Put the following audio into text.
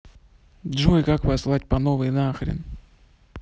джой как послать пановой нахрен